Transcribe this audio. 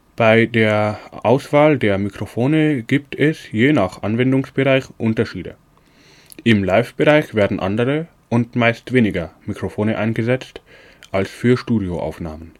Bei der Auswahl der Mikrofone gibt es je nach Anwendungsbereich Unterschiede: Im Live-Bereich werden andere (und meistens weniger) Mikrofone eingesetzt als für Studio-Aufnahmen